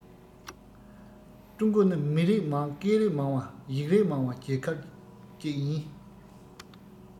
ཀྲུང གོ ནི མི རིགས མང སྐད རིགས མང བ ཡིག རིགས མང བ རྒྱལ ཁབ ཅིག ཡིན